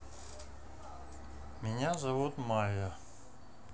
меня зовут майя